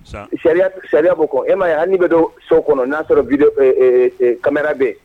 Musa, sariya bɔ kɔn e m'a ye wa hali n'i bɛ don so kɔnɔ n'a y'a sɔrɔ cameara bɛ ye